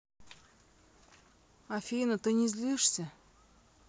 афина ты не злишься